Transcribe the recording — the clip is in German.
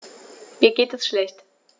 Mir geht es schlecht.